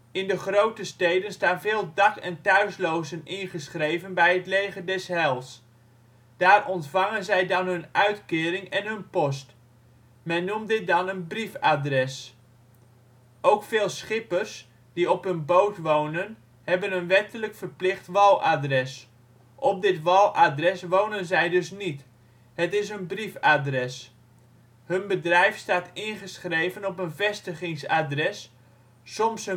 In de grote steden staan veel dak - en thuislozen ingeschreven bij het Leger des Heils. Daar ontvangen zij dan hun uitkering en hun post. Men noemt dat dan een " brief-adres ". Ook veel schippers, die op hun boot wonen, hebben een wettelijk verplicht wal-adres. Op dit wal-adres wonen zij dus niet: het is hun brief-adres. Hun bedrijf staat ingeschreven op een vestigings-adres; soms